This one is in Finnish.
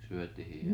syötiin ja